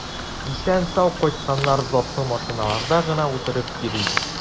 Исән-сау кайтканнар затлы машиналарда гына утырып йөри.